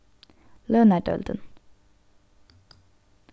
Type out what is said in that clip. lønardeildin